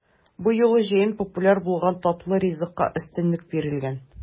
Бу юлы җәен популяр булган татлы ризыкка өстенлек бирелгән.